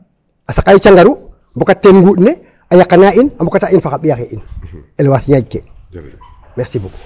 A saqaayo cangaru mbokat teen nguuɗ ne, a yaqana in a mbokata in fo xa ɓiy axe in élevage ñaƴ ke merci beaucoup.